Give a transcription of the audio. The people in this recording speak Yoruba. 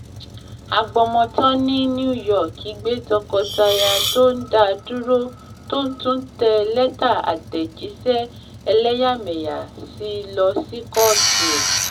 Agbọmọtọ́ ní New York gbé tọkọtaya t’ọ́n da dúró, t’ọ́n tú tẹ lẹ́tà àtẹ̀jíṣẹ́ ẹlẹ́yàmẹyà si lọ sí kọ́ọ̀tù.